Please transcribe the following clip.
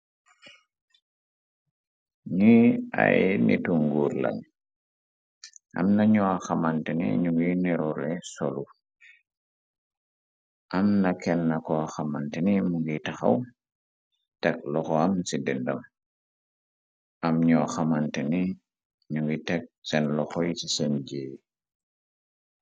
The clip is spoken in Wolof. Njee aiiy nittu nguurr lehn, amna njur hamanteh neh njungy nduroh leh solu, amna kenah kor hamanteh neh mungy takhaw, tek lokhom cii dehnam, am njur hamanteh neh njungy tek sehn lokhor yii cii sehn jehh yii.